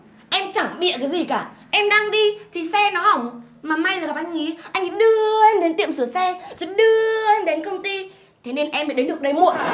em chẳng bịa cái gì cả em đang đi thì xe nó hỏng mà may mà gặp anh ý anh ý đưa em đến tiệm sửa xe rồi đưa em đến công ty thế nên em mới đến được đây muộn